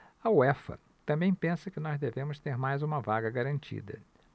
a uefa também pensa que nós devemos ter mais uma vaga garantida